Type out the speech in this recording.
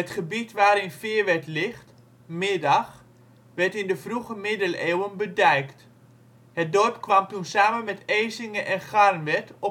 gebied waarin Feerwerd ligt, Middag, werd in de vroege middeleeuwen bedijkt, het dorp kwam toen samen met Ezinge en Garnwerd